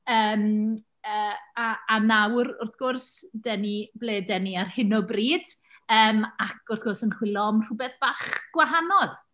Yym yy a a nawr wrth gwrs dan ni ble dan ni ar hyn o bryd, yym, ac wrth gwrs yn chwilio am rhywbeth bach gwahanol.